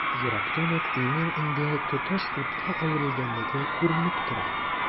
Ерактан ук өйнең инде тоташ утка әверелгәнлеге күренеп тора.